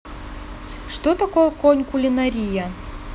что такое конь кулинария